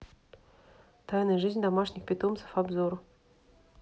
тайная жизнь домашних питомцев обзор